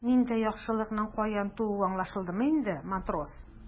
Миндә яхшылыкның каян тууы аңлашылдымы инде, матрос?